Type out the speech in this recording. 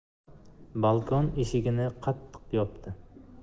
balkon eshigini qattiq yopdi